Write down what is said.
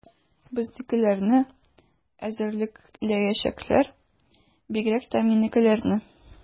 Безнекеләрне эзәрлекләячәкләр, бигрәк тә минекеләрне.